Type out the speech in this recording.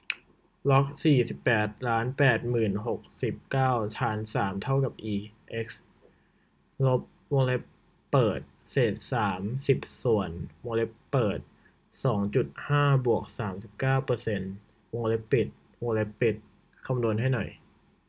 ล็อกสี่สิบแปดล้านแปดหมื่นหกสิบเก้าฐานสามเท่ากับอีเอ็กซ์ลบวงเล็บเปิดเศษสามสิบส่วนวงเล็บเปิดสองจุดห้าบวกสามสิบเก้าเปอร์เซ็นต์วงเล็บปิดวงเล็บปิดคำนวณให้หน่อย